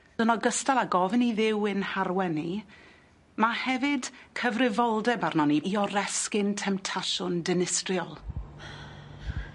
Yn ogystal â gofyn i Dduw ein harwen ni ma' hefyd cyfrifoldeb arnon ni i oresgyn temtasiwn dinistriol.